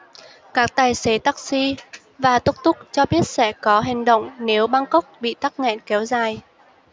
các tài xế taxi và tuk tuk cho biết sẽ có hành động nếu bangkok bị tắc nghẽn kéo dài